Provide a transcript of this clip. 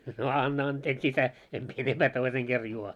no anna anteeksi isä en minä enempää toisen kerran juo